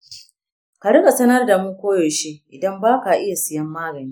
ka riƙa sanar da mu koyaushe idan ba ka iya siyan magani.